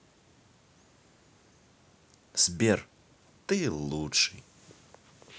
сбер ты лучший